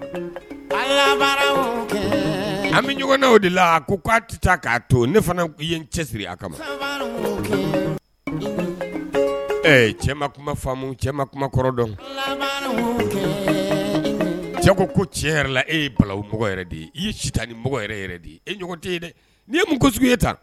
An bɛ ɲɔgɔn o de la k'a to ne fana i cɛ siri a kama kuma kɔrɔ dɔn cɛ ko ko cɛ e ye de i ye sita ni mɔgɔ e tɛ ye dɛ n' ye mun ye ta